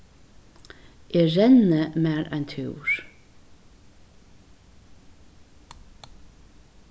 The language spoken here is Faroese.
eg renni mær ein túr